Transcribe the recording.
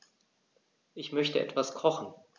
Ich möchte etwas kochen.